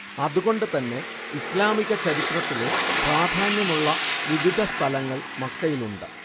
അത് കൊണ്ട് തന്നെ ഇസ്ലാമിക ചരിത്രത്തിലെ പ്രാധാന്യമുള്ള വിവിധ സ്ഥലങ്ങൾ മക്കയിലുണ്ട്